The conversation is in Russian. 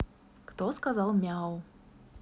кто сказал мяу